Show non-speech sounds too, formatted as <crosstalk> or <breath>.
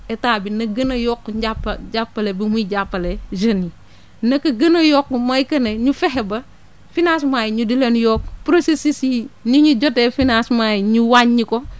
état bi na gën a yokk njàppa jàppale bu muy jàppale jeunes :ra yi <breath> na ko gën a yokk mooy que ne ñu fexe ba financements yi ñu di leen yokk processus yi yi ñuy jotee financement yi ñu wàññi ko